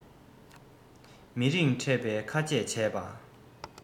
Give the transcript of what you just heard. མི རིང ཕྲད པའི ཁ ཆད བྱས པ